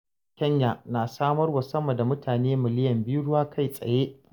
Tsaunin Kenya na samar wa sama da mutane miliyan biyu ruwa kai-tsaye.